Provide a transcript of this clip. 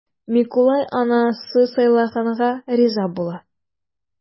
Микулай анасы сайлаганга риза була.